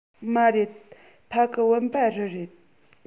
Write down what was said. མ རེད ཕ གི བུམ པ རི རེད